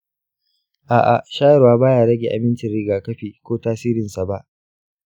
a'a, shayarwa ba ya rage amincin rigakafi ko tasirinsa ba.